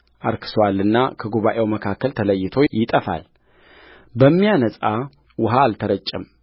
አርክሶአልና ከጉባኤው መካከል ተለይቶ ይጠፋል በሚያነጻ ውኃ አልተረጨም